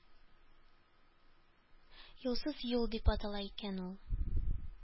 «юлсыз юл» дип атала икән ул.